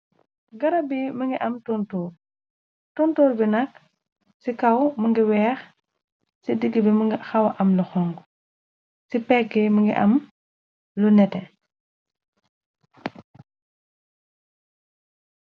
Garap bi mu ngi am tontoor tontoor bi nag ci kaw mu ngi weex ci digg bi munga xawa am lu xong ci pekki mi ngi am lu nete.